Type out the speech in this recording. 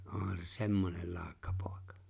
onhan se semmoinen laukkapoika